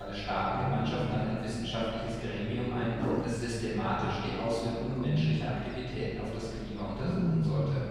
Staatengemeinschaft dann ein wissenschaftliches Gremium ein, das systematisch die Auswirkungen menschlicher Aktivitäten auf das Klima untersuchen sollte